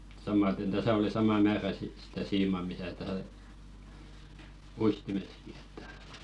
samaten tässä oli sama määrä sitten sitä siimaa missä - uistimessakin että